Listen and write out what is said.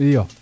iyo